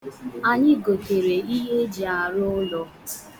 Anyị na-egote ihe eji arụ ụlọ.